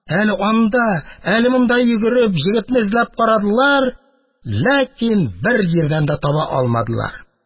Әле анда, әле монда йөгереп, егетне эзләп карадылар, ләкин бер җирдән дә таба алмадылар.